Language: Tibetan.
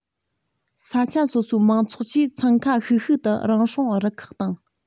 ས ཆ སོ སོའི མང ཚོགས ཀྱིས འཚང ཁ ཤིག ཤིག ཏུ རང སྲུང རུ ཁག དང